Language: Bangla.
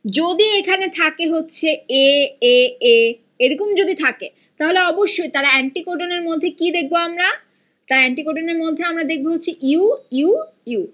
যদি এখানে থাকে হচ্ছে এ এ এ এরকম যদি থাকে তাহলে অবশ্যই তার এন্টিকোডন এর মধ্যে কি দেখব আমরা তার এন্টিকোডন এর মধ্যে আমরা দেখব হচ্ছে ইউ ইউ ইউ